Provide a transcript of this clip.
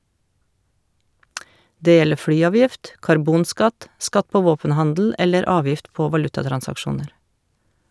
Det gjelder flyavgift, karbonskatt, skatt på våpenhandel eller avgift på valutatransaksjoner.